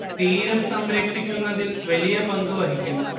തീരം സംരക്ഷിക്കുന്നതിൽ വലിയ പങ്ക് വഹിക്കുന്നു